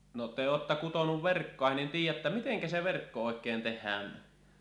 no te olette kutonut verkkoa niin tiedätte miten se verkko oikein tehdään